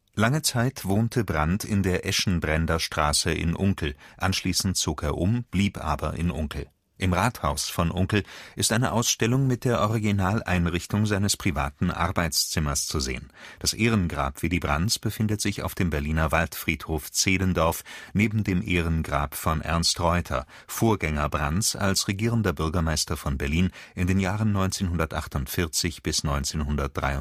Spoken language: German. Lange Zeit wohnte Brandt in der Eschenbrenderstraße in Unkel, anschließend zog er um, blieb aber in Unkel. Im Rathaus von Unkel ist eine Ausstellung mit der Originaleinrichtung seines privaten Arbeitszimmers zu sehen. Das Ehrengrab Willy Brandts befindet sich auf dem Berliner Waldfriedhof Zehlendorf neben dem Ehrengrab von Ernst Reuter, Vorgänger Brandts als Regierender Bürgermeister von Berlin in den Jahren 1948 bis 1953